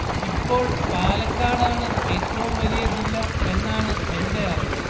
ഇപ്പോൾ പാലക്കാടാണ് ഏറ്റവും വലിയ ജില്ല എന്നാണ് എന്റെ അറിവ്